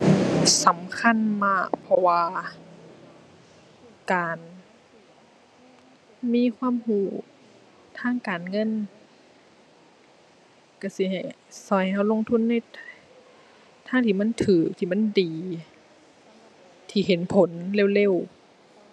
สำคัญมาก เพราะว่าการมีความรู้ทางการเงิน รู้สิให้ รู้ให้รู้ลงทุนในทางที่มันรู้ ที่มันดี ที่เห็นผลเร็วเร็ว